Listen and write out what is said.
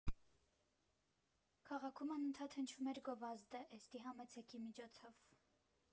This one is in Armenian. Քաղաքում անընդհատ հնչում էր գովազդը՝ «էստի համեցեքի» միջոցով։